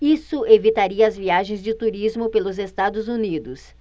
isso evitaria as viagens de turismo pelos estados unidos